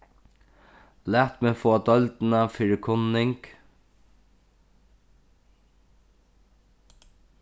lat meg fáa deildina fyri kunning